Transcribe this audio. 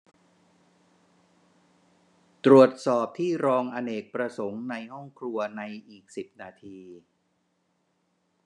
ตรวจสอบที่รองอเนกประสงค์ในห้องครัวในอีกสิบนาที